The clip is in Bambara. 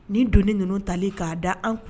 Ni don ninnu talen k'a da an